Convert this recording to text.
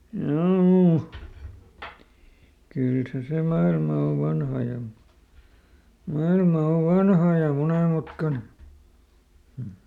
joo kyllä se se maailma on vanha ja maailma on vanha ja monenmutkainen mm